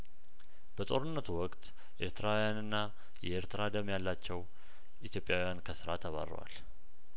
በጦርነቱ ወቅት ኤርትራውያንና የኤርትራ ደም ያላቸው ኢትዮጵያውያን ከስራ ተባረዋል